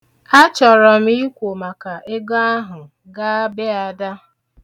Achọrọ m ikwo maka ego ahụ gaa be Ada.